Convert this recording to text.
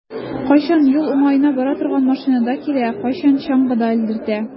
Кайчан юл уңаена бара торган машинада килә, кайчан чаңгыда элдертә.